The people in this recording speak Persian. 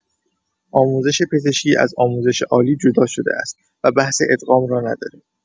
آموزش پزشکی از آموزش عالی جدا شده است و بحث ادغام را نداریم.